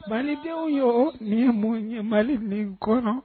Malidenw ye nin ye mun ye mali min kɔnɔ